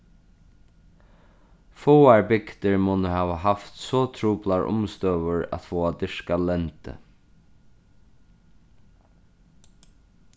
fáar bygdir munnu hava havt so truplar umstøður at fáa dyrkað lendi